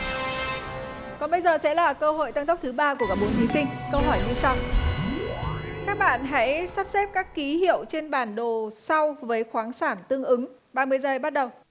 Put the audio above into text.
này còn bây giờ sẽ là cơ hội tăng tốc thứ ba của cả bốn thí sinh câu hỏi như sau các bạn hãy sắp xếp các ký hiệu trên bản đồ sau với khoáng sản tương ứng ba mươi giây bắt đầu